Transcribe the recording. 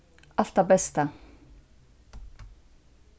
alt tað besta